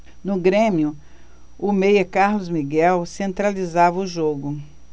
no grêmio o meia carlos miguel centralizava o jogo